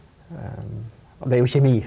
og det er jo kjemi.